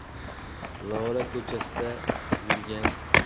lola ko'chasida yurgan